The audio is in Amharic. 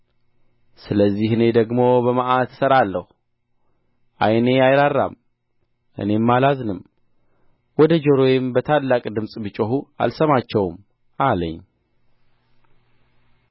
ስለዚህ እኔ ደግሞ በመዓት እሠራለሁ ዓይኔ አይራራም እኔም አላዝንም ወደ ጆሮዬም በታላቅ ድምፅ ቢጮኹ አልሰማቸውም አለኝ